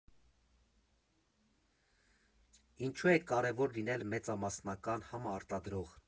Ինչու է կարևոր լինել մեծամասնական համարտադրող։